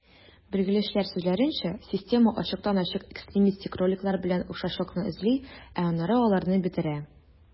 Белгечләр сүзләренчә, система ачыктан-ачык экстремистик роликлар белән охшашлыкны эзли, ә аннары аларны бетерә.